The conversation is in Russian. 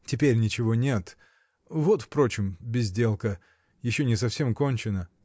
— Теперь ничего нет: вот, впрочем — безделка: еще не совсем кончено.